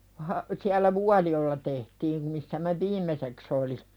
- siellä Vuolijoella tehtiin missä minä viimeiseksi olin